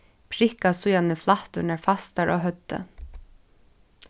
prikka síðan flætturnar fastar á høvdið